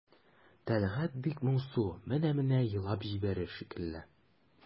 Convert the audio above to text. Тәлгать бик моңсу, менә-менә елап җибәрер шикелле.